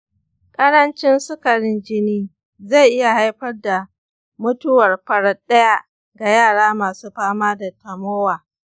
ƙarancin sukarin jini zai iya haifar da mutuwar farat ɗaya ga yara masu fama da tamowa.